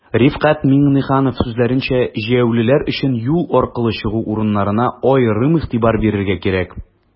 Рифкать Миңнеханов сүзләренчә, җәяүлеләр өчен юл аркылы чыгу урыннарына аерым игътибар бирергә кирәк.